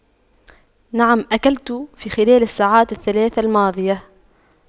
نعم أكلت في خلال الساعات الثلاثة الماضية